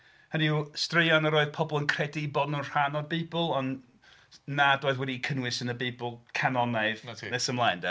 Hynny yw, straeon yr oedd pobl yn credu eu bod nhw'n rhan o'r Beibl ond nad oedd wedi'i cynnwys yn y Beibl canonaidd... 'Na ti... Nes ymlaen 'de.